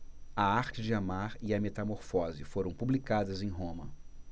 a arte de amar e a metamorfose foram publicadas em roma